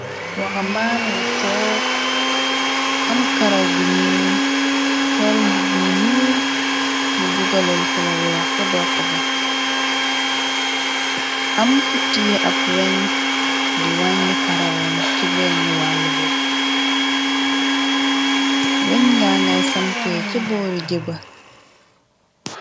Waxa mbaane bu took am karaw gu u solbug u ñu ñu dugalal koloweex ca dokx ga am kutie ab weñ di wàññ karaom ci bennu wàll bopp pe weñ nga ngay sampee ca boori jeba.